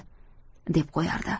deb qo'yardi